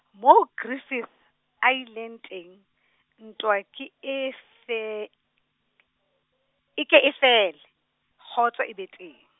moo Griffith a ileng teng, ntwa ke e fe , e ke e fele, kgotso e be teng.